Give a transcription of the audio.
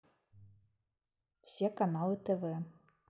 все каналы тв